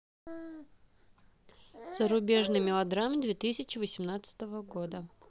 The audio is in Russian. зарубежные мелодрамы две тысячи восемнадцатого года